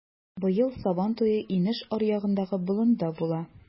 Быел Сабантуе инеш аръягындагы болында була.